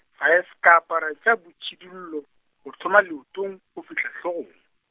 five ka apara tša boitšhidullo, go thoma leotong, go fihla hlogong.